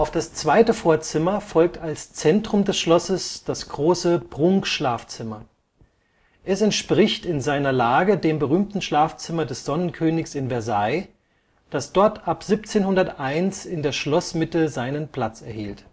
das zweite Vorzimmer folgt als Zentrum des Schlosses das große Prunkschlafzimmer. Es entspricht in seiner Lage dem berühmten Schlafzimmer des Sonnenkönigs in Versailles, das dort ab 1701 in der Schlossmitte seinen Platz erhielt